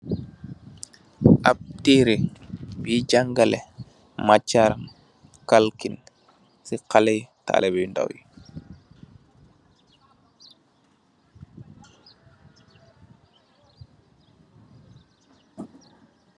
Ap terreh bui jangaleh macer kalkin ci xalèh talibeh yu ndaw yi.